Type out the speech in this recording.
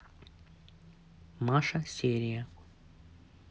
маша серия